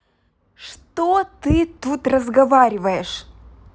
что ты тут разговаривать